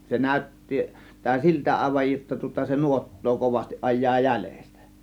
se näytti näyttää siltä aivan jotta tuota se nuottaa kovasti ajaa jäljestä